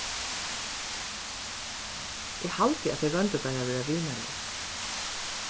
eg haldi at tey royndu bara at vera vinarlig